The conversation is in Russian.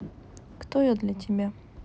кто я для тебя